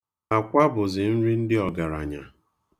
Akwa bụzị nri ndị ọgaranya.